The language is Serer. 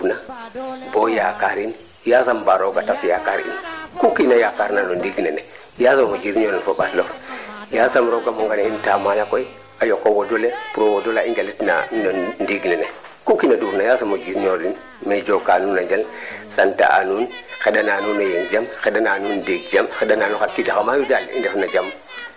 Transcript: a mbaat no fogole aussi no xalatum in way ngind ma fop fop leya dene bata paamo ndik kama paana le Ndoundokh soɓiid rew faax rew jajal rew te jeg meeke a ɗinga maak a ɗinga doy waar a mosa machaalah ceq ne mosa aussi a paxa paax a fiya ngan ga i ndalfoka tourner soɓ ko xa ando naye ten ref presidente fe coxa ñuxro le te sim ni tid avant i ndoka no waxtaan le tewo paax sima xong